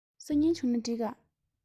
སང ཉིན བྱུང ན འགྲིག ག